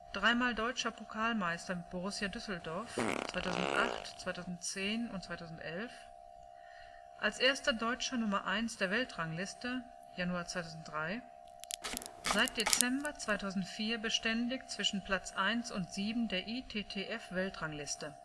3x Deutscher Pokalmeister mit Borussia Düsseldorf 2008, 2010, 2011 Als erster Deutscher Nummer Eins der Weltrangliste (Januar 2003) Seit Dezember 2004 beständig zwischen Platz 1 und 7 der ITTF-Weltrangliste